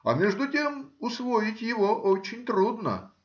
а между тем усвоить его очень трудно